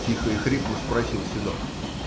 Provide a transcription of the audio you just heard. - тихо и хрипло спросил седок.